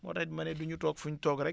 moo taxit ma ne du ñu toog fuñ toog rek